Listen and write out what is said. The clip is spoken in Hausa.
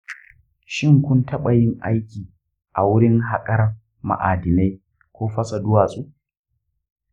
shin kun taɓa yin aiki a wurin haƙar ma'adinai ko fasa duwatsu?